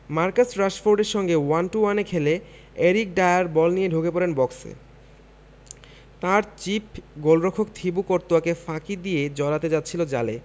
Marcus রাশফোর্ডের সঙ্গে one two ওয়ানে খেলে এরিক ডায়ার বল নিয়ে ঢুকে পড়েন বক্সে তাঁর চিপ গোলরক্ষক থিবো কর্তোয়াকে ফাঁকি দিয়ে জড়াতে যাচ্ছিল জালে